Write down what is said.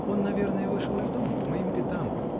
-- Он, наверное, вышел из дому по моим пятам